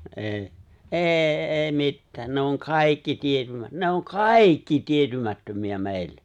ei ei ei mitään ne on kaikki - ne on kaikki tietymättömiä meille